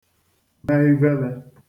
-me ivele